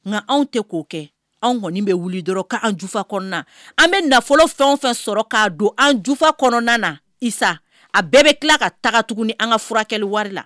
Nka anw tɛ k'o kɛ anw kɔni bɛ wuli dɔrɔn ko an jufa kɔnɔna, an bɛ nafolo fɛn o fɛn sɔrɔ k'a don an jufa kɔnɔna Isa a bɛɛ bɛ tila ka taga tuguni an ka furakɛli wari la